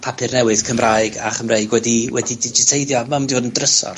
papur newydd Cymraeg a Chymreig wedi, wedi digiteiddio, ma' mynd i fod yn drysor.